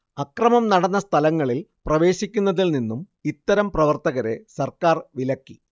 അക്രമം നടന്ന സ്ഥലങ്ങളിൽ പ്രവേശിക്കുന്നതിൽ നിന്നും ഇത്തരം പ്രവർത്തകരെ സർക്കാർ വിലക്കി